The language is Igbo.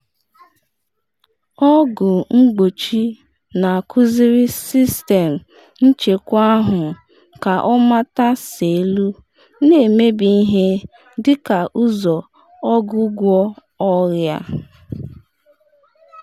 Ọgwụ mgbochi na-akuziri sistem nchekwa ahụ ka ọ mata selụ na-emebi ihe dịka ụzọ ọgwụgwọ ọrịa